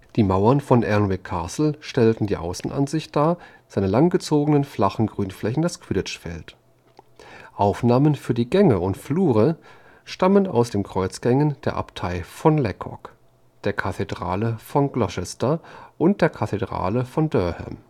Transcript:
Die Mauern von Alnwick Castle stellten die Außenansicht, seine langgezogenen, flachen Grünflächen das Quidditch-Feld. Aufnahmen für die Gänge und Flure stammen aus den Kreuzgängen der Abtei von Lacock, der Kathedrale von Gloucester und der Kathedrale von Durham